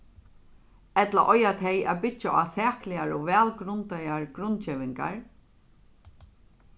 ella eiga tey at byggja á sakligar og vælgrundaðar grundgevingar